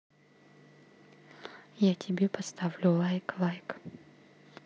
я тебе поставлю лайк лайк